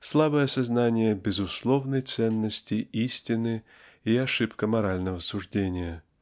слабое сознание безусловной ценности истины и ошибка морального суждения.